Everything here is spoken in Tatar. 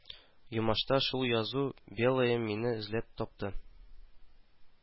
Юматша шул язу белая мине эзләп тапты